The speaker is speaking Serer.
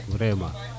vraiment